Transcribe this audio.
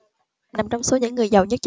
nằm trong số những người giàu nhất